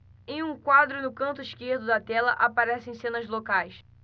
em um quadro no canto esquerdo da tela aparecem cenas locais